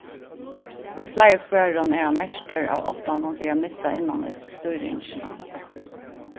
í fleiri førum er hann merktur av óttanum fyri at missa innanhýsis stýringina